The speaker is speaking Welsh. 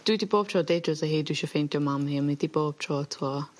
dwi 'di bob tro deud wrtho hi dwi isio ffeindio mam hi a ma' 'di bob trob t'wo